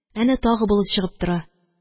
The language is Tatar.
Әнә тагы болыт чыгып тора.